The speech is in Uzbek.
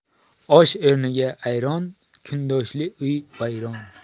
osh o'rniga ayron kundoshli uy vayron